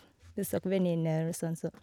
Besøker venninner og sånn, så.